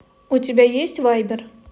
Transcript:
у тебя есть вайбер